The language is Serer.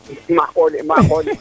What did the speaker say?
maako de maako